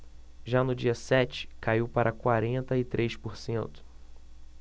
já no dia sete caiu para quarenta e três por cento